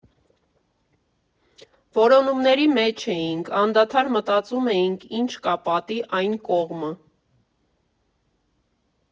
Որոնումների մեջ էինք, անդադար մտածում էինք՝ ի՞նչ կա պատի այն կողմը։